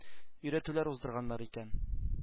Өйрәтүләр уздырганнар икән